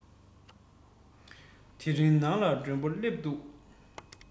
དེ རིང ནང ལ མགྲོན པོ སླེབས འདུག